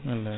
wallay